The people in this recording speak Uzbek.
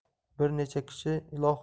bir necha kishi iloho